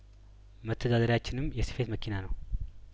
መተዳደሪያችንም የስፌት መኪና ነው